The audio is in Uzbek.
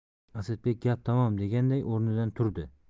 asadbek gap tamom deganday o'rnidan turdi